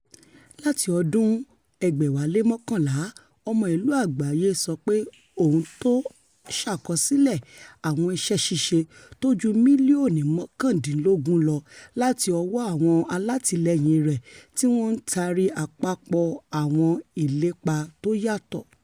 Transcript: Láti ọdún 2011, Ọmọ Ìlú Àgbáyé ńsọ pé òun to ṣàkọsílẹ̀ ''àwọn iṣẹ́ ṣíṣe'' tó ju mílíọ̀nù mọ́kàndínlógún lọ láti ọwọ́ àwọn alàtìlẹ́yìn rẹ̀, tíwọn ńtaari àpapọ̀ àwọn ìlépa tóyàtọ̀.